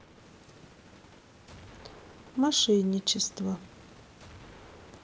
мошенничество